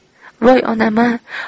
voy onam a